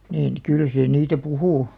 niin kyllä se niitä puhui